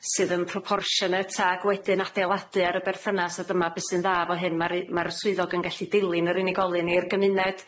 sydd yn proportionate, ag wedyn adeiladu ar y berthynas. A dyma be' sy'n dda 'fo hyn. Ma'r ma'r swyddog yn gallu dilyn yr unigolyn i'r gymuned